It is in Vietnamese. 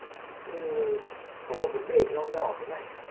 nhưng có một vấn đề nho nhỏ thế này